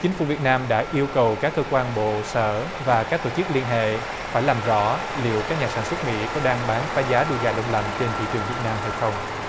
chính phủ việt nam đã yêu cầu các cơ quan bộ sở và các tổ chức liên hệ phải làm rõ liệu các nhà sản xuất mỹ có đang bán phá giá đùi gà đông lạnh trên thị trường việt nam hay không